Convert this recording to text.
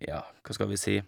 Ja, hva skal vi si.